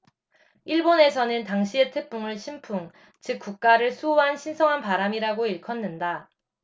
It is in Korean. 일본에서는 당시의 태풍을 신풍 즉 국가를 수호한 신성한 바람이라고 일컫는다